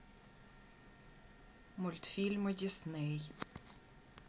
мультфильмы дисней